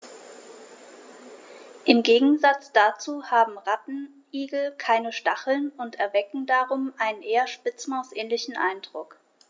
Im Gegensatz dazu haben Rattenigel keine Stacheln und erwecken darum einen eher Spitzmaus-ähnlichen Eindruck.